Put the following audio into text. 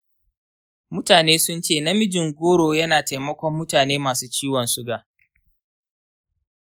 mutane sun ce namijin-goro ya na taimakon mutane masu ciwon suga.